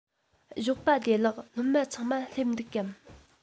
ཞོགས པ བདེ ལེགས སློབ མ ཚང མ སླེབས འདུག གམ